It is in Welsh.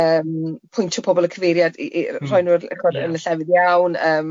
...yym pwyntio pobl y cyfeiriad i i rhoi nhw i cwrdd yn y llefydd iawn yym.